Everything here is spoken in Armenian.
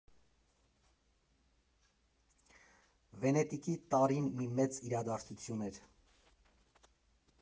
Վենետիկի տարին մի մեծ իրադարձություն էր.